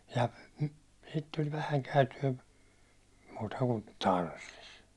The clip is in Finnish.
ja sitten tuli vähän käytyä muuta kuin Taarastissa